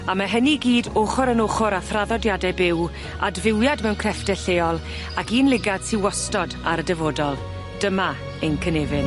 A ma' hynny gyd ochor yn ochor â thraddodiade byw adfywiad mewn creffte lleol ac un ligad sy wastod ar y dyfodol, dyma ein cynefin.